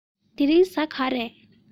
དེ རིང གཟའ གང རས